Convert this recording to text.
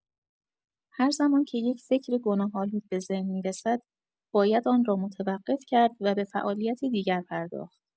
هر زمان که یک فکر گناه‌آلود به ذهن می‌رسد، باید آن را متوقف کرد و به فعالیتی دیگر پرداخت.